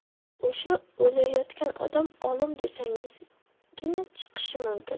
o'sha o'layotgan odam olim desangizgina chiqishi mumkin